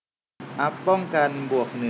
อัพป้องกันบวกหนึ่ง